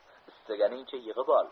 istaganingcha yig'ib ol